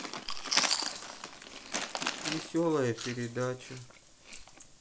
веселая передача